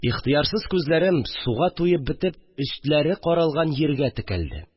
Ихтыярсыз күзләрем суга туеп бетеп, өстләре каралган җиргә текәлде